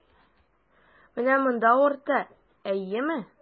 Менә монда авырта, әйеме?